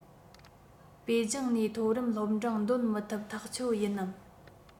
པེ ཅིང ནས མཐོ རིམ སློབ འབྲིང འདོན མི ཐུབ ཐག ཆོད ཡིན ནམ